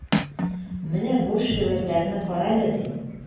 Менә бу шигырьләрне карале, ди.